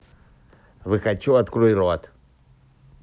вы хочу открой рот